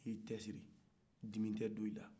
n'i y'i cɛsiri dimi tɛ don i la